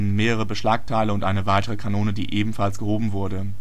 mehrere Beschlagteile und eine weitere Kanone, die ebenfalls gehoben wurde